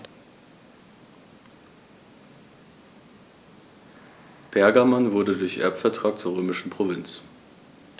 Pergamon wurde durch Erbvertrag zur römischen Provinz.